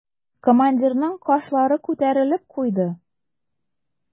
Командирның кашлары күтәрелеп куйды.